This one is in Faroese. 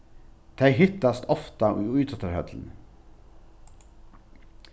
tey hittast ofta í ítróttarhøllini